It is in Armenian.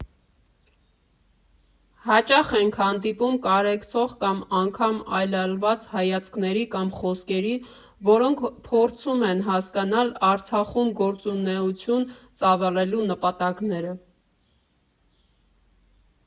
Հաճախ ենք հանդիպում կարեկցող կամ անգամ այլայլված հայացքների կամ խոսքերի, որոնք փորձում են հասկանալ Արցախում գործունեություն ծավալելու նպատակները։